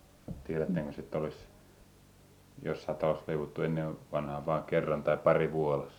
tiedättekös että olisi jossakin talossa leivottu ennen vanhaan vain kerran tai pari vuodessa